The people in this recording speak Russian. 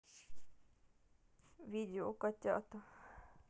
видео котята